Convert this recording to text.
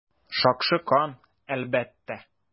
Шакшы кан, әлбәттә.